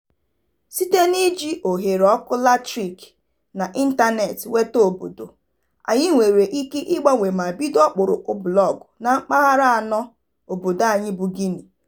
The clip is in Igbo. Site na iji ohere ọkụ latrịk na ịntanetị nweta obodo, anyị nwere ike igbanwe ma bido ọkpụrụkpụ blọọgụ na mpaghara anọ obodo anyị bụ Guinea.